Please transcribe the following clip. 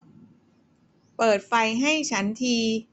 เปิดไฟให้ฉันที